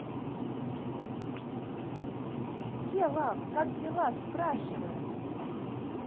где love как дела спрашиваю